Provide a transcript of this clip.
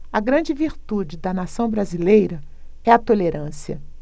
a grande virtude da nação brasileira é a tolerância